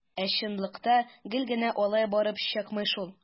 Ә чынлыкта гел генә алай барып чыкмый шул.